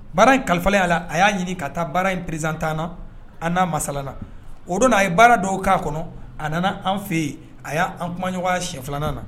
Baara in kalifa y a la a y'a ɲini ka taa baara in pereztanana an n'a masalala o don n'a ye baara dɔw k'a kɔnɔ a nana an fɛ yen a y'an kumaɲɔgɔn si filanan na